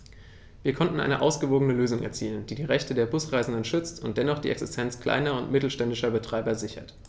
Wir konnten eine ausgewogene Lösung erzielen, die die Rechte der Busreisenden schützt und dennoch die Existenz kleiner und mittelständischer Betreiber sichert.